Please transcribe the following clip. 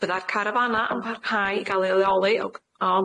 Bydda'r carafana yn parhau i ga'l eu leoli o- o-